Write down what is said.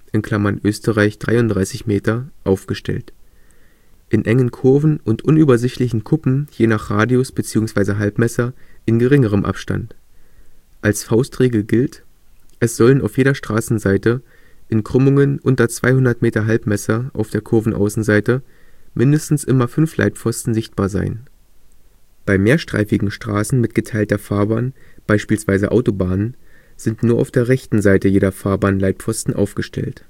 in Österreich 33 Meter) aufgestellt. In engen Kurven und unübersichtlichen Kuppen je nach Radius bzw. Halbmesser in geringerem Abstand. Als Faustregel gilt: Es sollen auf jeder Straßenseite - in Krümmungen unter 200 Meter Halbmesser auf der Kurvenaußenseite - mindestens immer 5 Leitpfosten sichtbar sein. Bei mehrstreifigen Straßen mit geteilter Fahrbahn, beispielsweise Autobahnen, sind nur auf der rechten Seite jeder Fahrbahn Leitpfosten aufgestellt